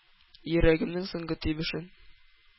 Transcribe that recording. Йөрәгемнең соңгы тибешен!